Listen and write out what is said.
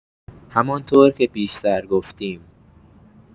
همان‌طور که پیش‌تر گفتیم